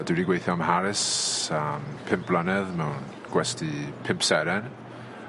Dwi 'di gweithio ym Mharis am pump blynedd mewn gwesty pump seren